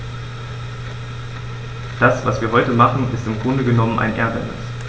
Das, was wir heute machen, ist im Grunde genommen ein Ärgernis.